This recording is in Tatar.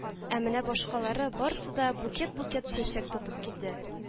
Ә менә башкалары барысы да букет-букет чәчәк тотып килде